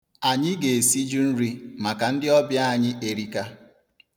Anyị ga-esiju nri maka ndị ọbịa anyị erika.